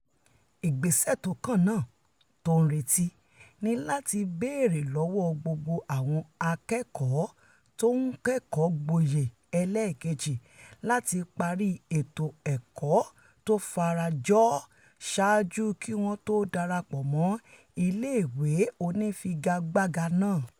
Ìgbésẹ̀ tókàn náà, tó ńretí, ni láti bèèrè lọ́wọ́́ gbogbo àwọn akẹ́kọ̀ọ́ tó ńkẹ́kọ̀ọ́ gboye ẹlẹ́ẹ̀kejì láti parí ètò ẹ̀kọ́ tófarajọ́ ọ saáju kí wọ́n to ́darapọ̀ mọ́ ilé ìwé onífiga-gbága náà.